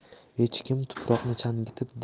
echkim tuproqni changitib